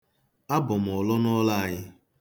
Abụ m ụlụ n'ụlọ anyị.